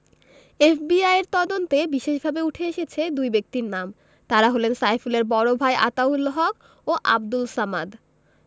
এফবিআইয়ের তদন্তে বিশেষভাবে উঠে এসেছে দুই ব্যক্তির নাম তাঁরা হলেন সাইফুলের বড় ভাই আতাউল হক ও আবদুল সামাদ